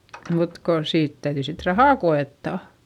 mutta kun siitä täytyi sitten rahaa koettaa